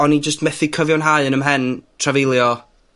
o'n i jyst methu cyfiawnhau yn 'y mhen, trafeilio